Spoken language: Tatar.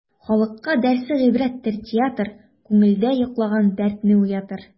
Халыкка дәрсе гыйбрәттер театр, күңелдә йоклаган дәртне уятыр.